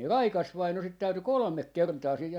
niin Raikas vainaja sitten täytyi kolme kertaa siinä